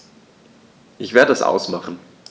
Ich werde es ausmachen